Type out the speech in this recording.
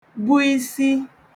-bu isì